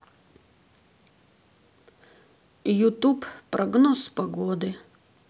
ютуб прогноз погоды